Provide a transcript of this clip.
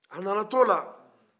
a nana to o la